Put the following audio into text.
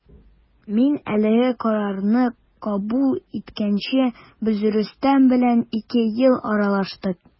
Мин әлеге карарны кабул иткәнче без Рөстәм белән ике ел аралаштык.